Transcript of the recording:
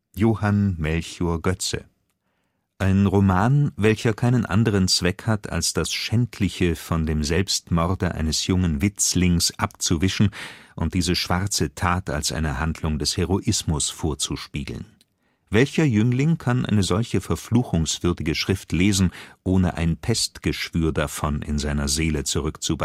Johann Melchior Goeze: […] [Ein] Roman, welcher keinen anderen Zweck hat, als das schändliche von dem Selbstmorde eines jungen Witzlings […] abzuwischen, und diese schwarze Tat als eine Handlung des Heroismus vorzuspiegeln […]. Welcher Jüngling kann eine solche verfluchungswürdige Schrift lesen, ohne ein Pestgeschwür davon in seiner Seele zurück zu